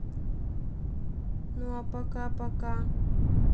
ну а пока пока